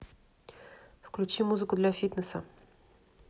включи музыку для фитнеса